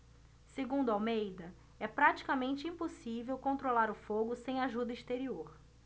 segundo almeida é praticamente impossível controlar o fogo sem ajuda exterior